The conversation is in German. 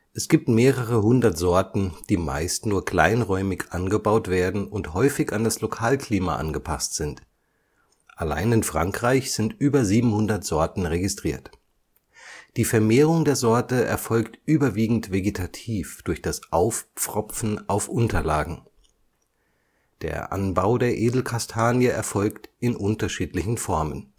Es gibt mehrere hundert Sorten, die meist nur kleinräumig angebaut werden und häufig an das Lokalklima angepasst sind. Allein in Frankreich sind über 700 Sorten registriert. Die Vermehrung der Sorte erfolgt überwiegend vegetativ durch das Aufpfropfen auf Unterlagen. Kastanien Erntemengen 2006 (in Tonnen) Land Ernte China (Castanea mollissima) 850.000 Südkorea (Castanea crenata) 76.447 Türkei 53.814 Italien 52.000 Portugal (Castanea crenata) 29.133 Japan (Castanea crenata) 23.100 Griechenland 20.946 Frankreich (teilweise Hybriden) 9.670 Spanien 9.500 Nordkorea 8.000 Der Anbau der Edelkastanie erfolgt in unterschiedlichen Formen